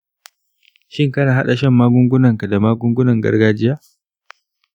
shin kana haɗa shan magungunanka da magungunan gargajiya?